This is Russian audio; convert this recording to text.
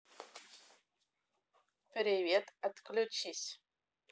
привет отключись